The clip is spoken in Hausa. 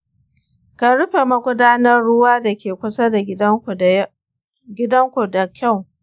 ku rufe magudanar ruwa da ke kusa da gidanku da kyau